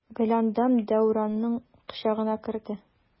Гөләндәм Дәүранның кочагына керде.